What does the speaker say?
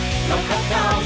tháng